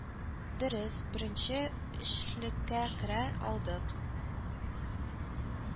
Дөрес, беренче өчлеккә керә алдык